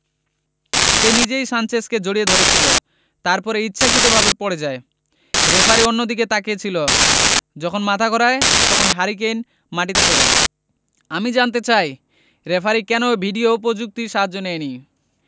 সে নিজেই সানচেজকে জড়িয়ে ধরেছিল তারপরে ইচ্ছাকৃতভাবে পড়ে যায় রেফারি অন্যদিকে তাকিয়ে ছিল যখন মাথা ঘোরায় তখন হ্যারি কেইন মাটিতে পড়ে আমি জানতে চাই রেফারি কেন ভিডিও প্রযুক্তির সাহায্য নেয়নি